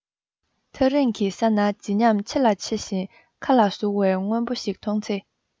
ཐག རིང གི ས ན བརྗིད ཉམས ཆེ ལ མཆེ བ བཞིན མཁའ ལ ཟུག བའི དངོས པོ ཞིག མཐོང ཚེ